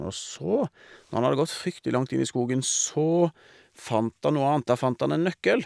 Og så, når han hadde gått fryktelig langt inn i skogen, så fant han noe annet, da fant han en nøkkel.